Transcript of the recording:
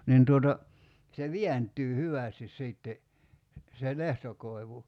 niin tuota se vääntyy hyvästi sitten se lehtokoivu